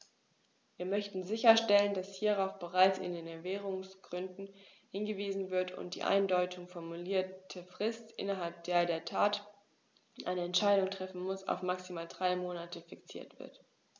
Wir möchten sicherstellen, dass hierauf bereits in den Erwägungsgründen hingewiesen wird und die uneindeutig formulierte Frist, innerhalb der der Rat eine Entscheidung treffen muss, auf maximal drei Monate fixiert wird.